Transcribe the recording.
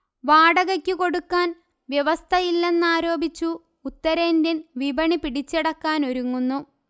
വാടകയ്ക്കു കൊടുക്കാൻ വ്യവസ്ഥയില്ലെന്നാരോപിച്ചു ഉത്തരന്ത്യേൻവിപണി പിടിച്ചടക്കാനൊരുങ്ങുന്നു